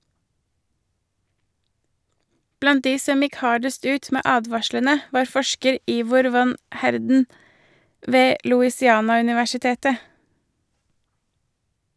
Blant de som gikk hardest ut med advarslene var forsker Ivor van Heerden ved Louisiana-universitetet.